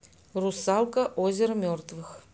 русалка озеро мертвых